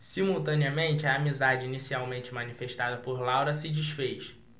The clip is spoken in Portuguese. simultaneamente a amizade inicialmente manifestada por laura se disfez